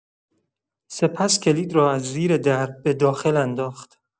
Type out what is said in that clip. سپس کلید را از زیر در به داخل انداخت.